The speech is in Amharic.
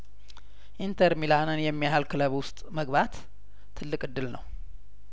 ኢንተር ሚላንን የሚያህል ክለብ ውስጥ መግባት ትልቅ እድል ነው